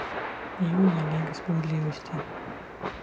юная лига справедливости